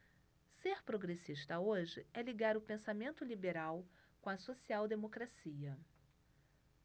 ser progressista hoje é ligar o pensamento liberal com a social democracia